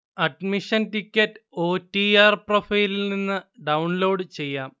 Admission ticket O. T. R പ്രൊഫൈലിൽനിന്ന് download ചെയ്യാം